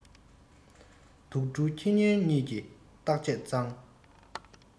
དུག སྦྲུལ ཁྱི སྨྱོན གཉིས ཀྱི བརྟག དཔྱད ཚང